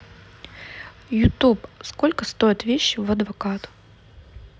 youtube сколько стоят вещи в адвокат